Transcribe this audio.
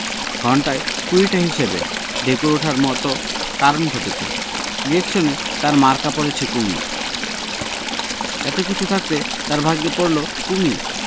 ঘণ্টায় কুড়িটা হিসেবে ঢেকুর ওঠার মত কারণ ঘটেছে ইলেকশনে তাঁর মার্কা পড়েছে কুমীর এত কিছু থাকতে তাঁর ভাগ্যে পড়ল কুমীর